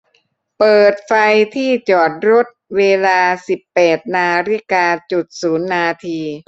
เปิดไฟที่จอดรถเวลาสิบแปดนาฬิกาจุดศูนย์นาที